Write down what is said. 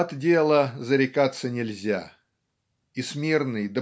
От дела зарекаться нельзя. И "смирный